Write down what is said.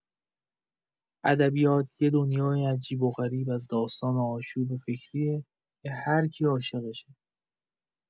ادبیات یه دنیای عجیب‌وغریب از داستان و آشوب فکریه که هر کی عاشقشه.